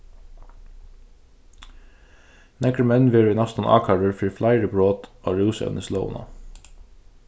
nakrir menn verða í næstum ákærdir fyri fleiri brot á rúsevnislógina